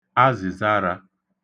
azị̀zarā